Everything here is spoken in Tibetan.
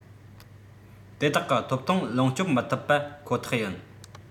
དེ དག གི ཐོབ ཐང ལོངས སྤྱོད མི ཐུབ པ ཁོ ཐག ཡིན